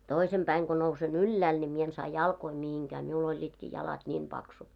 toisen päivänä kun nousen ylhäälle niin minä en saa jalkoja mihinkään minulla olivatkin jalat niin paksut